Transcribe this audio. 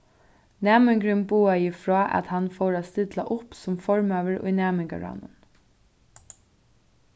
næmingurin boðaði frá at hann fór at stilla upp sum formaður í næmingaráðnum